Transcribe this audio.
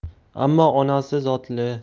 ammo onasi zotli